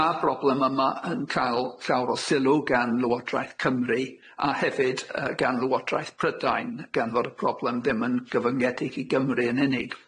Ma'r broblem yma yn ca'l llawer o sylw gan Lywodraeth Cymru a hefyd yy gan Lywodraeth Prydain gan fo'r problem dim yn gyfyngedig i Gymru yn unig.